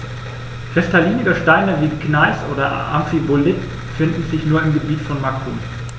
Kristalline Gesteine wie Gneis oder Amphibolit finden sich nur im Gebiet von Macun.